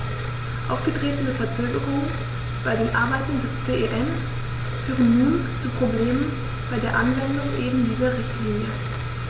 Aufgetretene Verzögerungen bei den Arbeiten des CEN führen nun zu Problemen bei der Anwendung eben dieser Richtlinie.